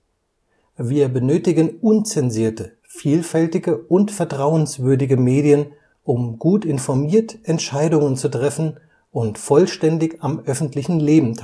Wir benötigen unzensierte, vielfältige und vertrauenswürdige Medien, um gut informiert Entscheidungen zu treffen und vollständig am öffentlichen Leben